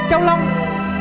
châu long